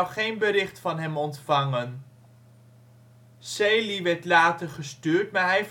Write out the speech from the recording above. geen bericht van hem ontvangen. Sailly werd later gestuurd, maar hij verdwaalde